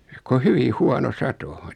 kuin hyvin huono sato